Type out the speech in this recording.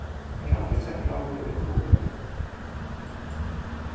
eg haldi ikki at brandur er kulur